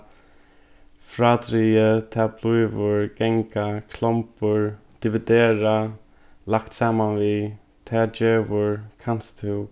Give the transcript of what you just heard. frádrigið tað blívur ganga klombur dividera lagt saman við tað gevur kanst tú